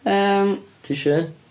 Yym, ti isio un?